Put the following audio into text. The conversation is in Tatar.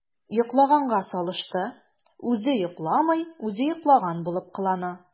“йоклаганга салышты” – үзе йокламый, үзе йоклаган булып кылана.